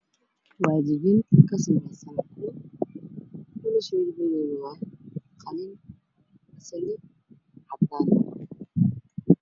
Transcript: Waa jijin ka samaaysan kuulo midabkeedu waa qalin